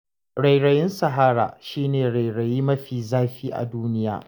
Rairayin Sahara shi ne rairayi mafi zafi a duniya.